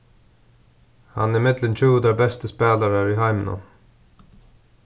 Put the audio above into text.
hann er millum tjúgu teir bestu spælarar í heiminum